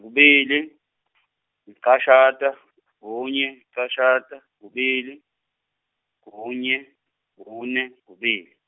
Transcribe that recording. kubili licashata kunye cashata kubili kunye kune kubili.